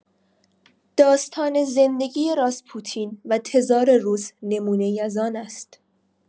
داستان زندگی راسپوتین و تزار روس نمونه‌ای از آن است.